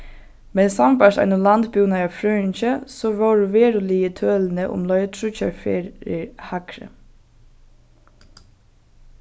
men sambært einum landbúnaðarfrøðingi so vóru veruligu tølini umleið tríggjar ferðir hægri